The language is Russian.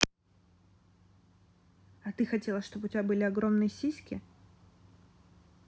а ты хотела чтобы у тебя были огромные сиськи